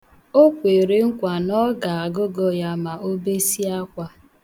O kwere nkwa na ọ ga-agụgọ ya ma o besịa akwa.